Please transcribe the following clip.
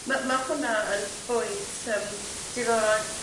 Ma' ma' hwnna yn bwynt yym diddorol